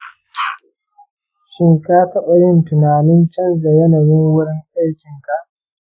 shin ka taɓa yin tunanin canza yanayin wurin aikinka?